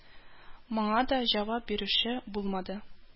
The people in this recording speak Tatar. Моңа да җавап бирүче булмады